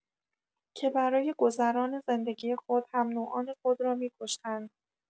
که برای گذران زندگی خود هم‌نوعان خود را می‌کشتند.